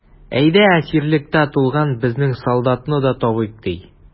Әйдә, әсирлектә булган безнең солдатны да табыйк, ди.